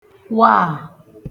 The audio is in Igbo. waà